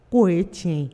K' o ye tiɲɛ ye